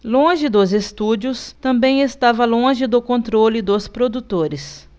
longe dos estúdios também estava longe do controle dos produtores